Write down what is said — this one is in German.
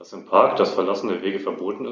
Auf Grund der unterschiedlichen Färbung